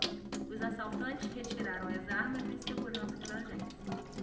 os assaltantes retiraram as armas dos seguranças da agência